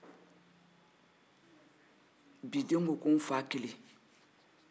bidenw ko k'u fa kelen